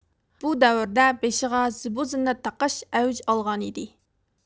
بۇ دەۋردە بېشىغا زىببۇ زىننەت تاقاش ئەۋج ئالغان ئىدى